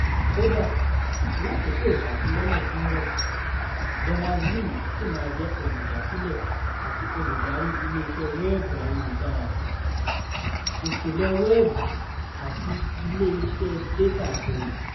Kódà lákòókò ìṣàfilọ́lẹ̀ Inrupt, Berners-Lee sì máa jẹ́ Olùdásílẹ̀ àti Olùdarí ilé iṣẹ́ wẹ́ẹ̀bù ayélujára, ìpìlẹ̀ Wẹ́ẹ̀bù àti ilé iṣẹ́ Dátà Àjọlò.